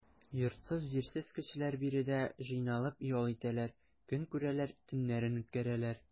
Йортсыз-җирсез кешеләр биредә җыйналып ял итәләр, көн күрәләр, төннәрен үткәрәләр.